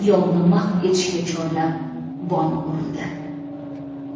yovni mahv etishga chorlab bong urildi